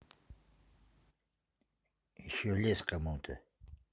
еще les комуто